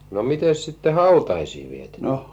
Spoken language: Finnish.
mitenkäs sitten hautajaisia vietettiin